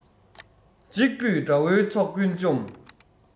གཅིག པུས དགྲ བོའི ཚོགས ཀུན བཅོམ